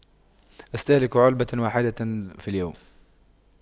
استهلك علبة واحدة في اليوم